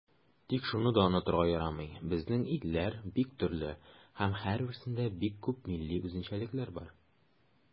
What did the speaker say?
Тик шуны да онытырга ярамый, безнең илләр бик төрле һәм һәрберсендә бик күп милли үзенчәлекләр бар.